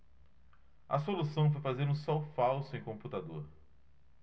a solução foi fazer um sol falso em computador